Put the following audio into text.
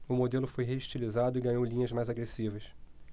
o modelo foi reestilizado e ganhou linhas mais agressivas